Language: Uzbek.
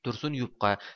tursun yupqa